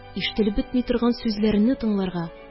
Ишетелеп бетми торган сүзләрне тыңларга